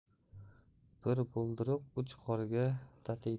bir bulduruq uch qorga tatiydi